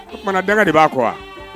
O kumana danga de ba kɔ wa?